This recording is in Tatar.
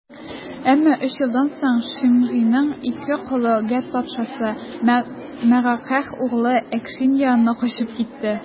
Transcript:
Әмма өч елдан соң Шимгыйның ике колы Гәт патшасы, Мәгакәһ углы Әкиш янына качып китте.